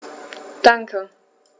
Danke.